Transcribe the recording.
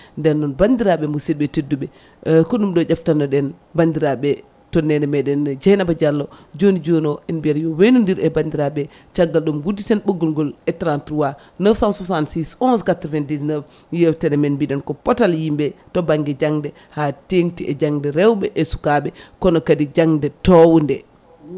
nden noon bandiraɓe musidɓe tedduɓe ko ɗum ɗo ƴeftanno ɗen bandiraɓe to nene meɗen Deiynaba Diallo joni joni o en mbiyat yo waynodir e bandiraɓe caggal ɗum gudditen ɓoggol ngol e 33 966 11 99 yewtere men mbiɗen ko pootal yimɓe to banggue janggde ha tengti e jangde rewɓe e sukaɓe kono kadi jangde towde